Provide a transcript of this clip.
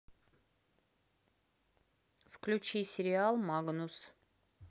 включи сериал магнус